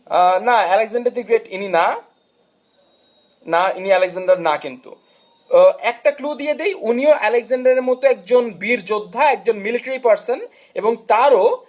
Alexander the great ইনি না না ইনি অ্যালেকজান্ডার না কিন্তু একটা ক্লু দিয়ে দেই ইনিও আলেকজান্ডার মতন একজন বীর যোদ্ধা একজন মিলিটারি পার্সন এবং তার ও